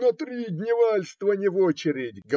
- На три дневальства не в очередь!